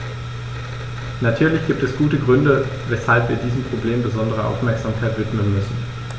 Natürlich gibt es gute Gründe, weshalb wir diesem Problem besondere Aufmerksamkeit widmen müssen.